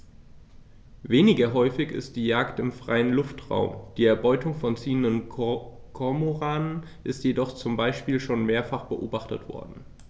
Weniger häufig ist die Jagd im freien Luftraum; die Erbeutung von ziehenden Kormoranen ist jedoch zum Beispiel schon mehrfach beobachtet worden.